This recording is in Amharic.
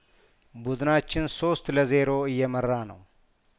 ቡድናችን ሶስት ለዜሮ እየመራ ነው